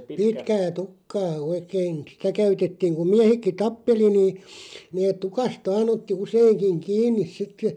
pitkää tukkaa oikein sitä käytettiin kun miehetkin tappeli niin ne tukasta vain otti useinkin kiinni sitten